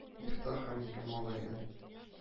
Мифтах һәм ике малае